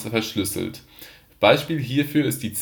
verschlüsselt. Beispiel hierfür ist die